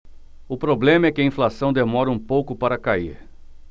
o problema é que a inflação demora um pouco para cair